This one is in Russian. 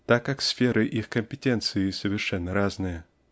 так как сферы их компетенции совершенно разные.